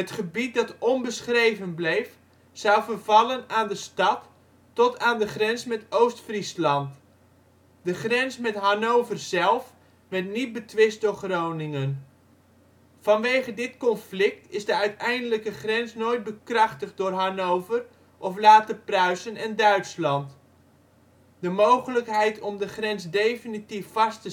gebied dat onbeschreven bleef zou vervallen aan de stad tot aan de grens met Oost-Friesland. De grens met Hannover zelf werd niet betwist door Groningen. Vanwege dit conflict is de uiteindelijke grens nooit bekrachtigd door Hannover of later Pruisen en Duitsland. De mogelijkheid om de grens definitief vast